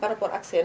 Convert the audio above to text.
par rapport ak seen